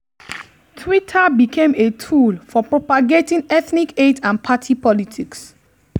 Twitter became a tool for propagating ethnic hate and party politics.